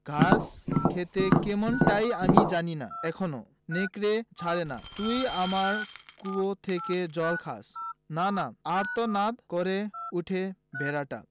ঘাস খেতে কেমন তাই আমি জানি না এখনো নেকড়ে ছাড়ে না তুই আমার কুয়ো থেকে জল খাস না না আর্তনাদ করে ওঠে ভেড়াটা